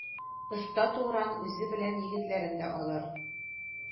Оста Тугран үзе белән егетләрен дә алыр.